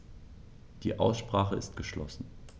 Die Aussprache ist geschlossen.